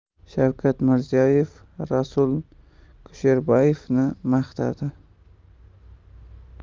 shavkat mirziyoyev rasul kusherbayevni maqtadi